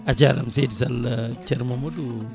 a jarama seydi Sall ceerno Mamadou